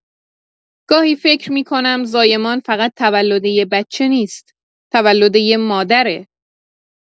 گاهی فکر می‌کنم زایمان فقط تولد یه بچه نیست، تولد یه مادره!